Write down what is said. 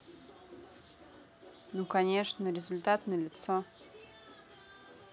ну конечно результат на лицо